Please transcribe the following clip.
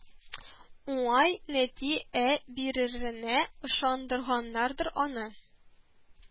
Уңай нәти ә биреренә ышандырганнардыр аны